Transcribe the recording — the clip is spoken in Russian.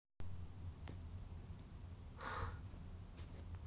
x